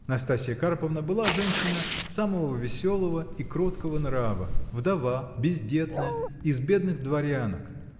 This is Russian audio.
Настасья Карповна была женщина самого веселого и кроткого нрава, вдова, бездетная, из бедных дворянок